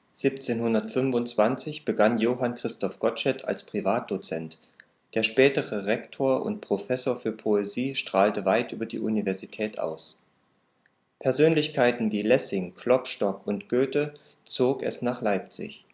1725 begann Johann Christoph Gottsched als Privatdozent; der spätere Rektor und Professor für Poesie strahlte weit über die Universität aus. Persönlichkeiten, wie Lessing, Klopstock und Goethe, zog es nach Leipzig